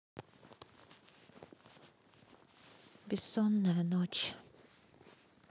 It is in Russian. бессонная ночь